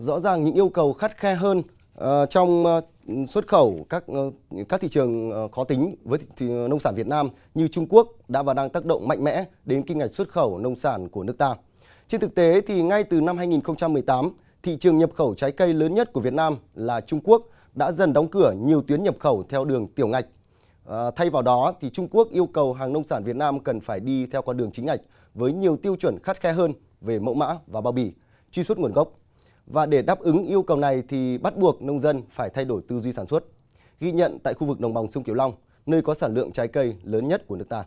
rõ ràng những yêu cầu khắt khe hơn trong xuất khẩu các ngư các thị trường khó tính với nông sản việt nam như trung quốc đã và đang tác động mạnh mẽ đến kim ngạch xuất khẩu nông sản của nước ta trên thực tế thì ngay từ năm hai nghìn không trăm mười tám thị trường nhập khẩu trái cây lớn nhất của việt nam là trung quốc đã dần đóng cửa nhiều tuyến nhập khẩu theo đường tiểu ngạch và thay vào đó thì trung quốc yêu cầu hàng nông sản việt nam cần phải đi theo con đường chính ngạch với nhiều tiêu chuẩn khắt khe hơn về mẫu mã và bao bì truy xuất nguồn gốc và để đáp ứng yêu cầu này thì bắt buộc nông dân phải thay đổi tư duy sản xuất ghi nhận tại khu vực đồng bằng sông cửu long nơi có sản lượng trái cây lớn nhất của nước ta